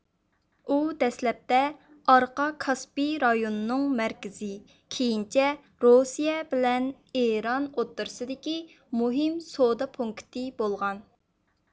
ئۇ دەسلەپتە ئارقا كاسپىي رايوننىڭ مەركىزى كېيىنچە روسىيە بىلەن ئىران ئوتتۇرىسىدىكى مۇھىم سودا پونكىتى بولغان